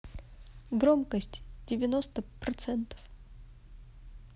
громкость девяносто процентов